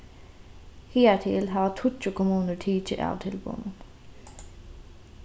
higartil hava tíggju kommunur tikið av tilboðnum